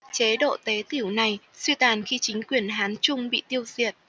chế độ tế tửu này suy tàn khi chính quyền hán trung bị tiêu diệt